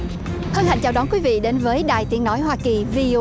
hạnh chào đón quý vị đến với đài tiếng nói hoa kỳ vi